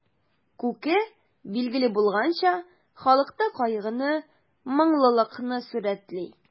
Күке, билгеле булганча, халыкта кайгыны, моңлылыкны сурәтли.